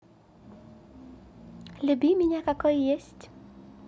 люби меня какой есть